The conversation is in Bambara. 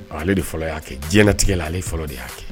Ale de fɔlɔ y'a kɛ diɲɛɲɛnatigɛ la ale fɔlɔ de y'a kɛ